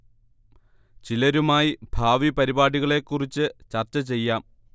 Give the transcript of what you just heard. ചിലരുമായി ഭാവി പരിപാടികളെ കുറിച്ച് ചർച്ചചെയ്യാം